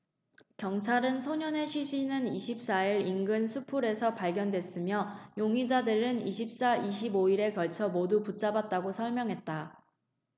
경찰은 소년의 시신은 이십 사 일 인근 수풀에서 발견됐으며 용의자들을 이십 사 이십 오 일에 걸쳐 모두 붙잡았다고 설명했다